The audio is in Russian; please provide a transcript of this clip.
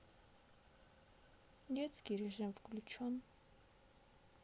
детский режим выключен